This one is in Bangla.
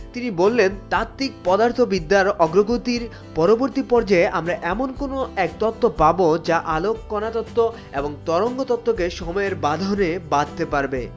তিনি বললেন তাত্ত্বিক পদার্থবিদ্যা অগ্রগতির পরবর্তী পর্যায়ে আমরা এমন কোন এক তত্ত্ব পাব যা আলোককণা তত্ত্ব এবং তরঙ্গ তত্ত্বকে সময়ের বাঁধনে বাঁধতে পারবে